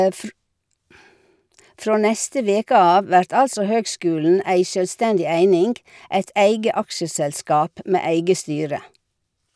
Frå neste veke av vert altså høgskulen ei sjølvstendig eining, eit eige aksjeselskap med eige styre.